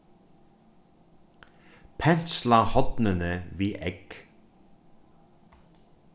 pensla hornini við egg